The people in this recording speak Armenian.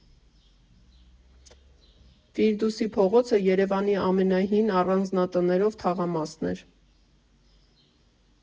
«Ֆիրդուսի փողոցը Երևանի ամենահին առանձնատներով թաղամասն էր։